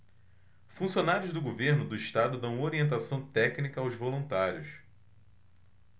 funcionários do governo do estado dão orientação técnica aos voluntários